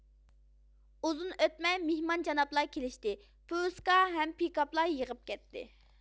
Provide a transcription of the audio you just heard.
ئۇزۇن ئۆتمەي مېھمان جاناپلار كېلشتى پوۋۈسكا ھەم پىكاپلار يېغىپ كەتتى